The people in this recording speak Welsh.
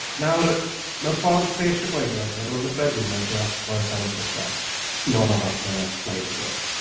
Nawr, mewn ffordd sa i isie gweud hwnna 'cause I don’t want to spread rumours but that’s what it said on Twitter, not that that’s a liable source.